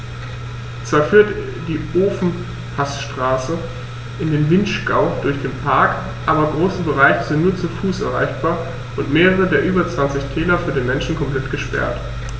Zwar führt die Ofenpassstraße in den Vinschgau durch den Park, aber große Bereiche sind nur zu Fuß erreichbar und mehrere der über 20 Täler für den Menschen komplett gesperrt.